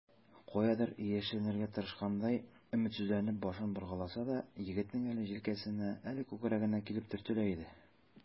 Каядыр яшеренергә тырышкандай, өметсезләнеп башын боргаласа да, егетнең әле җилкәсенә, әле күкрәгенә килеп төртелә иде.